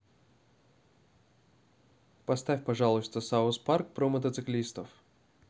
поставь пожалуйста саус парк про мотоциклистов